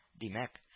Димәк